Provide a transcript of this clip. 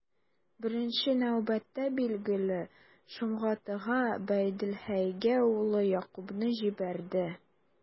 Беренче нәүбәттә, билгеле, Шомгатыга, Габделхәйгә улы Якубны җибәрде.